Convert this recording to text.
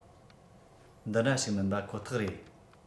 འདི འདྲ ཞིག མིན པ ཁོ ཐག རེད